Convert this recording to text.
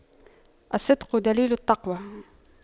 الصدق دليل التقوى